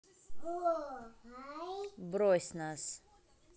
бросить нас